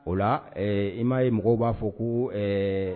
O la i ma ye mɔgɔw b'a fɔ ko ɛɛ